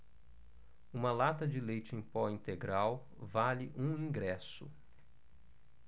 uma lata de leite em pó integral vale um ingresso